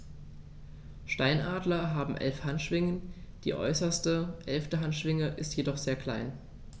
Steinadler haben 11 Handschwingen, die äußerste (11.) Handschwinge ist jedoch sehr klein.